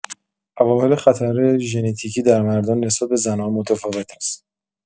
عوامل خطر ژنتیکی در مردان نسبت به زنان متفاوت است.